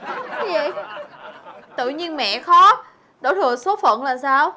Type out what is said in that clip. cái gì tự nhiên mẹ khó đổ thừa số phận là sao